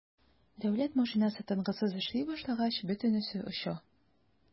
Дәүләт машинасы тынгысыз эшли башлагач - бөтенесе оча.